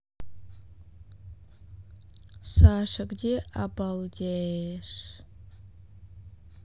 саша где обалдеешь